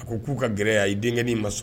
A ko k'u ka gɛlɛnɛrɛ yan a i denkɛk'i ma sɔn